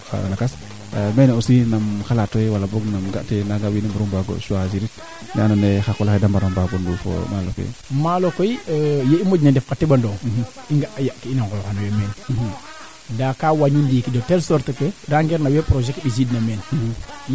comme genre kaaga yo kaaf ke maya nga naaga awaa ret nbaa fi de ndaa kaaf leŋ ndiq tadik te suli kaa teen parce que nu keede mbarna ñoowit baa mbi jegiran no yaso lene o xeeke koy ande ndik a ndee u wala tadik a mbaa ñoow maaga ndaa weeke nde ina xarɓaxay wala nangam wee faax